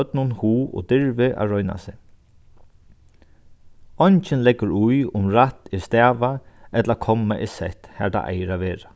børnum hug og dirvi at royna seg eingin leggur í um rætt er stavað ella komma er sett har tað eigur at vera